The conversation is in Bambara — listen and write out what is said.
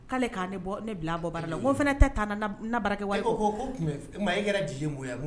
K'ale k' ne bila bɔ banna la ko fana tɛ taa bara ma e kɛra di ye mun ye